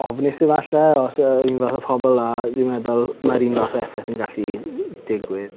ofnus efalle os yr un fath o pobol a dwi'n meddwl mae'r un fath o effaith yn gallu digwydd.